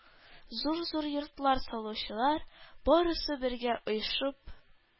Зур-зур йортлар салучылар, барысы бергә оешып,